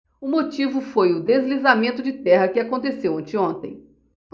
o motivo foi o deslizamento de terra que aconteceu anteontem